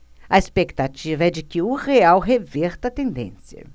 a expectativa é de que o real reverta a tendência